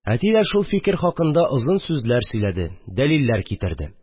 Әти дә шул фикер хакында озын сүзләр сөйләде, дәлилләр китерде